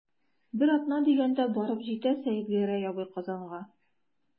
Бер атна дигәндә барып җитә Сәетгәрәй абый Казанга.